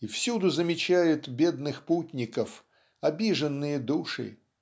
и всюду замечает бедных путников обиженные души